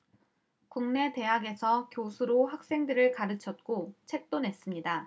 국내 대학에서 교수로 학생들을 가르쳤고 책도 냈습니다